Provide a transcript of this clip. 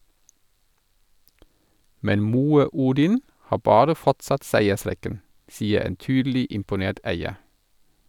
Men Moe Odin har bare fortsatt seiersrekken, sier en tydelig imponert eier.